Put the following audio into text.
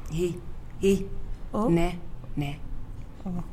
H h o n